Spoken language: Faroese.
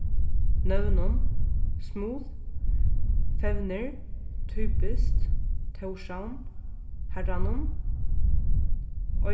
nøvnum smooth fevnir typiskt tórshavn harranum